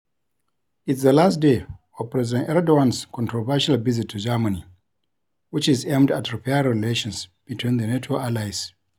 It's the last day of President Erdogan's controversial visit to Germany - which is aimed at repairing relations between the NATO allies.